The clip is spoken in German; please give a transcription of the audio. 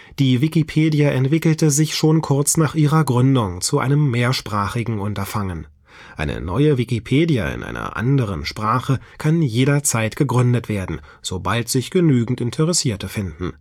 Die Wikipedia entwickelte sich schon kurz nach ihrer Gründung zu einem mehrsprachigen Unterfangen. Eine neue Wikipedia in einer anderen Sprache kann jederzeit gegründet werden, sobald sich genügend Interessierte finden